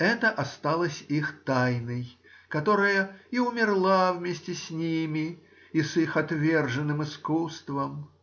— это осталось их тайной, которая и умерла вместе с ними и с их отверженным искусством.